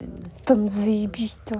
там заебись да